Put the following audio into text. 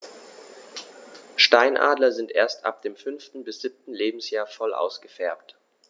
Steinadler sind erst ab dem 5. bis 7. Lebensjahr voll ausgefärbt.